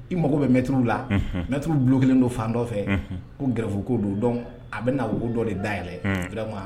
I mago bɛ mɛtu la mɛ turuu bulon kelen don fan dɔ fɛ ko gfoko don dɔn a bɛ na woro dɔ de dayɛlɛn